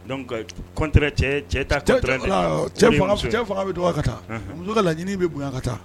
Dɔnku kɔn cɛ cɛ fanga bɛ dugawu a ka taa muso ka lac bɛ bonyayan a ka taa